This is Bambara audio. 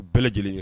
O bɛɛ lajɛlen ye